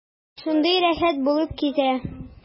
Шундый рәхәт булып китә.